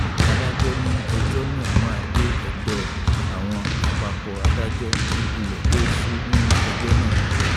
Adájọ́ ní ẹjọ́ náà máa dé ọ̀dọ̀ àwọn àpapọ̀ adájọ́ kí ilẹ̀ tó ṣú ní ọjọ́ náà.